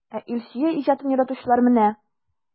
Ә Илсөя иҗатын яратучылар менә!